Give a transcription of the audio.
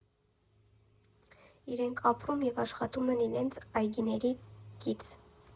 Իրենք ապրում և աշխատում են իրենց այգիներին կից։